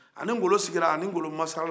ani ngolo sigira ani ngolo masala